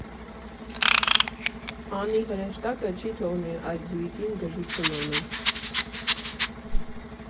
Անի֊հրեշտակը չի թողնի այդ զույգին գժություն անեն։